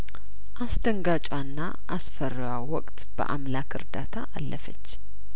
አስደንጋጯና አስፈሪዋ ወቅት በአምላክ እርዳታ አለፈች